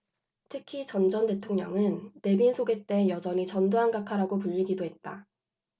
특히 전 전 대통령은 내빈 소개 때 여전히 전두환 각하라고 불리기도 했다